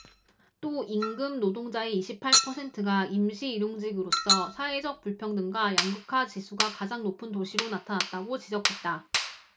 또 임금노동자의 이십 팔 퍼센트가 임시 일용직으로서 사회적 불평등과 양극화 지수가 가장 높은 도시로 나타났다 고 지적했다